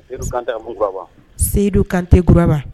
Seyidu Kante ka bɔ Nkuraba, Seyidu Kante Nkuraba